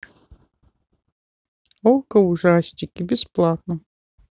окко ужастики бесплатно